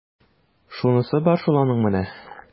Шунысы бар шул аның менә! ..